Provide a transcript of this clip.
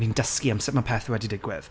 ni'n dysgu am sut ma' pethe wedi digwydd.